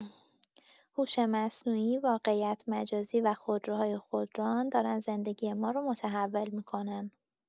هوش مصنوعی، واقعیت مجازی و خودروهای خودران دارن زندگی مارو متحول می‌کنن.